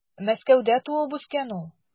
Мәскәүдә туып үскән ул.